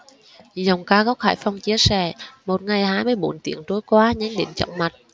giọng ca gốc hải phòng chia sẻ một ngày hai mươi bốn tiếng trôi qua nhanh đến chóng mặt